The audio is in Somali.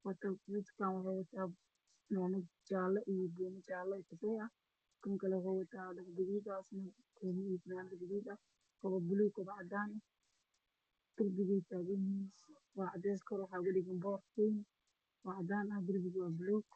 kubada kolayga ah midabka dharka ay qabaan waxaa weye jaalo iyo gaduud